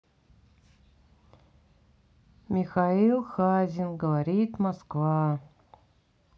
михаил хазин говорит москва